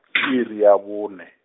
iri ya bone.